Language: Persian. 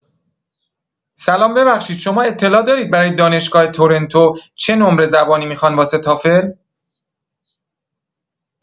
سلام ببخشید شما اطلاع دارید برای دانشگاه ترنتو چه نمره زبانی میخوان واسه تافل؟